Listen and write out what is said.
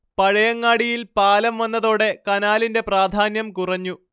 പഴയങ്ങാടിയിൽ പാലം വന്നതോടെ കനാലിന്റെ പ്രാധാന്യം കുറഞ്ഞു